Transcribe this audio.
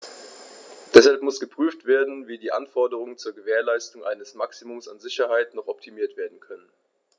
Deshalb muss geprüft werden, wie die Anforderungen zur Gewährleistung eines Maximums an Sicherheit noch optimiert werden können.